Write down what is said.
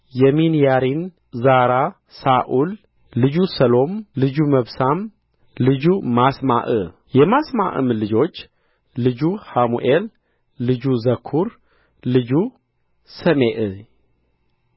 ያሚን ያሪን ዛራ ሳኡል ልጁ ሰሎም ልጁ መብሳም ልጁ ማስማዕ የማስማዕም ልጆች ልጁ ሃሙኤል ልጁ ዘኩር ልጁ ሰሜኢ